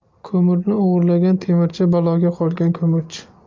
ko'mirni o'g'irlagan temirchi baloga qolgan ko'mirchi